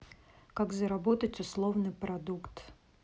как заработать условный продукт